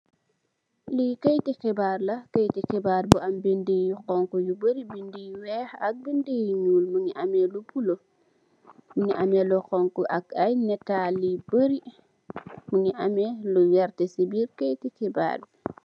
Li keyti xibaar la keyti xibaar bu am bindu yu xonxu yu bari binda yu weex ak binda yu nuul mongi ame lu bulu mongi ame lu xonxu ak ay netal yu bari mongi ame lu wertax si birr keyti xibaar bi.